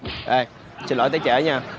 êi xin lỗi tới trễ nha